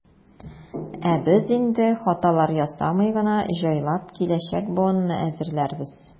Ә без инде, хаталар ясамый гына, җайлап киләчәк буынны әзерләрбез.